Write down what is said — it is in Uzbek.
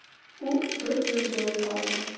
u bir zum jimib qoldi